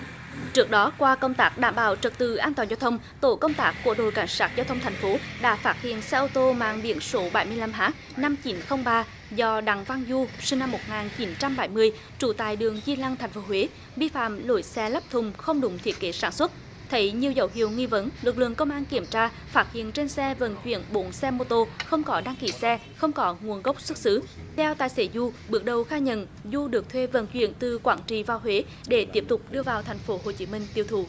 trước đó qua công tác đảm bảo trật tự an toàn giao thông tổ công tác của đội cảnh sát giao thông thành phố đã phát hiện xe ô tô mang biển số bảy mươi lăm hát năm chín không ba do đặng văn du sinh năm một ngàn chín trăm bảy mươi trú tại đường chi lăng thành phố huế vi phạm lỗi xe lắp thùng không đúng thiết kế sản xuất thấy nhiều dấu hiệu nghi vấn lực lượng công an kiểm tra phát hiện trên xe vận chuyển bốn xe mô tô không có đăng ký xe không có nguồn gốc xuất xứ theo tài xế du bước đầu khai nhận du được thuê vận chuyển từ quảng trị vào huế để tiếp tục đưa vào thành phố hồ chí minh tiêu thụ